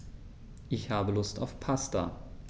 Ich habe Lust auf Pasta.